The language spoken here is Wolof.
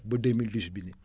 ba 2018 bii nii